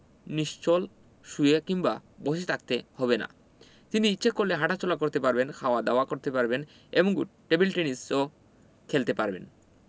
নিশ্চল শুয়ে কিংবা বসে থাকতে হবে না তিনি ইচ্ছা করলে হাটাচলা করতে পারবেন খাওয়া দাওয়া করতে পারবেন এমনকি টেবিল টেনিসও খেলতে পারবেন